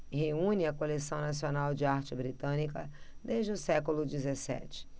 reúne a coleção nacional de arte britânica desde o século dezessete